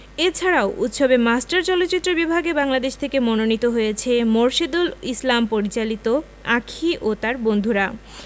এছাড়াও উৎসবের মাস্টার চলচ্চিত্র বিভাগে বাংলাদেশ থেকে মনোনীত হয়েছে মোরশেদুল ইসলাম পরিচালিত আঁখি ও তার বন্ধুরা